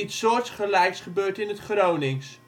soortgelijks gebeurt in het Gronings